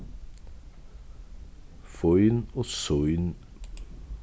fín og sín